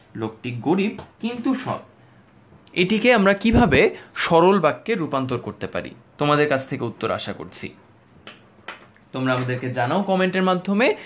লোকটি গরিব কিন্তু সৎ এটিকে আমরা কিভাবে সরল বাক্যে রূপান্তর করতে পারি তোমাদের কাছ থেকে উত্তর আশা করছি তোমরা আমাদেরকে জানাও কমেন্টের মাধ্যমে